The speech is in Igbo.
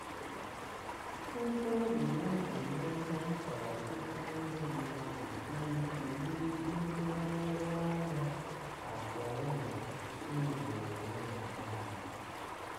Nkwari ya emeela ka ọtụtụ ndị mmadu kwuo okwu megide nleghara anya àkụ̀ ụlọ e wuru ewu na Dhaka.